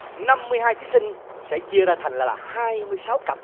năm mươi hai thí sinh sẽ chia ra thành là hai mươi sáu cặp